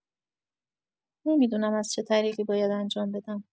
نمی‌دونم از چه طریقی باید انجام بدم.